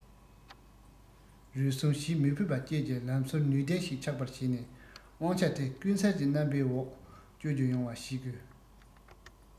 རུལ སུངས བྱེད མི ཕོད པ བཅས ཀྱི ལམ སྲོལ ནུས ལྡན ཞིག ཆགས པར བྱས ནས དབང ཆ དེ ཀུན གསལ གྱི རྣམ པའི འོག སྤྱོད རྒྱུ ཡོང བ བྱེད དགོས